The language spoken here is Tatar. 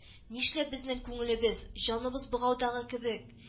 Нишләп безнең күңелебез, җаныбыз богаудагы кебек